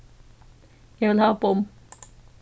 eg vil hava bomm